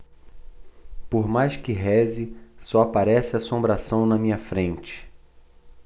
por mais que reze só aparece assombração na minha frente